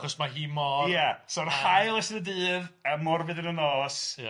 Achos mae hi mor... Ia so yr haul'n ystod y dydd a Morfudd yn y nos... Ia